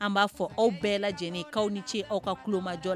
An b'a fɔ aw bɛɛ lajɛlen k’aw ni ce aw ka tulo majɔ la.